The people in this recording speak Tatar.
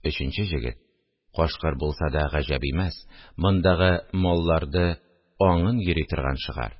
Өченче җегет: – Кашкыр булса да гаҗәп имәс, мондагы малларды аңын йөри торган шыгар